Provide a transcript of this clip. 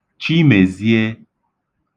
Chimèzie